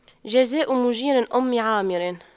جزاء مُجيرِ أُمِّ عامِرٍ